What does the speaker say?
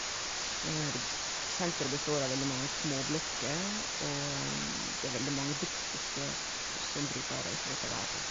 deb Senteret består av veldig mange småblokker, og det er veldig mange britiske f som bruker å reise dit og være der.